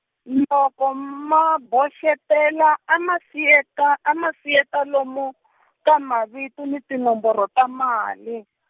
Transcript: loko ma boxetela a ma siyeta, a ma siyeta lomu , ka mavito ni tinomboro ta mali .